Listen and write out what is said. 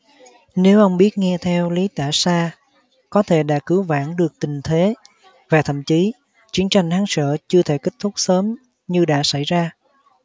nếu ông biết nghe theo lý tả xa có thể đã cứu vãn được tình thế và thậm chí chiến tranh hán sở chưa thể kết thúc sớm như đã xảy ra